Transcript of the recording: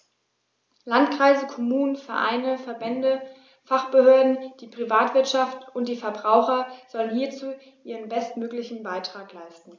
Landkreise, Kommunen, Vereine, Verbände, Fachbehörden, die Privatwirtschaft und die Verbraucher sollen hierzu ihren bestmöglichen Beitrag leisten.